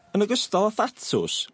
Yn ogystal a thatws